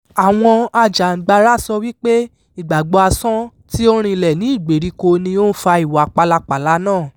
Àwọn ajìjàngbara sọ wípé ìgbàgbọ́-asán tí ó rinlẹ̀ ní ìgbèríko ni ó ń fa ìwà pálapalà náà.